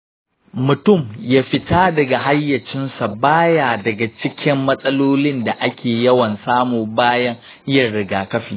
mutum ya fita daga hayyacinsa ba ya daga cikin matsalolin da ake yawan samu bayan yin rigakafi.